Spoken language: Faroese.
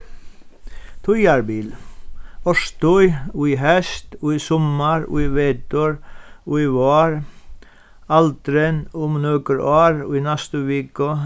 tíðarbil árstíð í heyst í summar í vetur í vár aldrin um nøkur ár í næstu viku